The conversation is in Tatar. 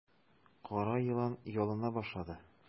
Кара елан ялына башлады.